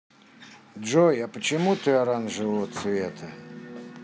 джой а почему ты оранжевого цвета